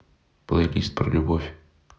плейлист про любовь